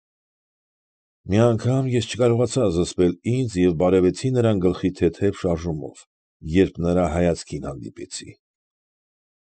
Մի անգամ ես չկարողացա զսպել ինձ և բարևեցի նրան գլխի թեթև շարժումով, երբ նրա հայացքին հանդիպեցի։